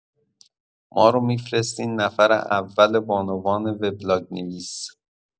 مارو می‌فرستین نفر اول بانوان وبلاگ‌نویس